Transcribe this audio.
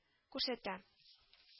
Үрсәтә